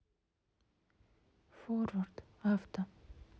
форвард авто